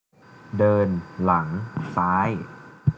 เดินหลังซ้าย